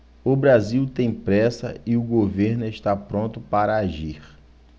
o brasil tem pressa e o governo está pronto para agir